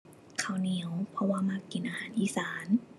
ข้าวเหนียว เพราะว่ามักกินอาหารอีสาน